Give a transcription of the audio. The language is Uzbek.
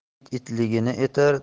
it itligini etar